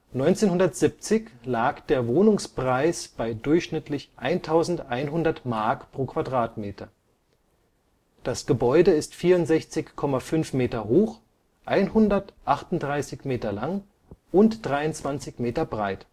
1970 lag der Wohnungspreis bei durchschnittlich 1100 Mark pro Quadratmeter. Das Gebäude ist 64,5 Meter hoch, 138 Meter lang und 23 Meter breit